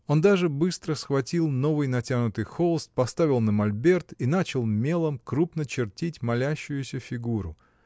Он даже быстро схватил новый натянутый холст, поставил на мольберт и начал мелом крупно чертить молящуюся фигуру.